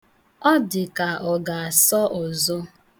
Ọ dịka ọ ga-asọ ọzọ.